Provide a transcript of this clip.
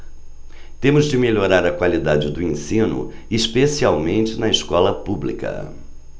temos de melhorar a qualidade do ensino especialmente na escola pública